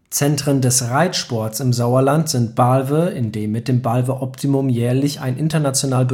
Zentren des Reitsports im Sauerland sind Balve, in dem mit dem Balve Optimum jährlich ein international